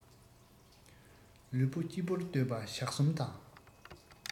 ལུས པོ སྐྱིད པོར སྡོད པ ཞག གསུམ དང